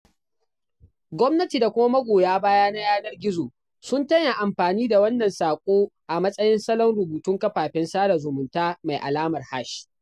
Gwamnati da kuma magoya baya na yanar gizo sun ta yin amfani da wannan saƙo a matsayin salon rubutun kafafen sada zumunta mai alamar hash.